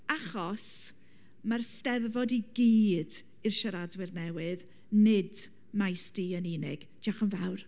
Achos, ma'r 'Steddfod i gyd i'r siaradwyr newydd, nid maes D yn unig. Diolch yn fawr.